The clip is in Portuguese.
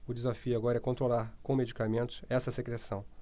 o desafio agora é controlar com medicamentos essa secreção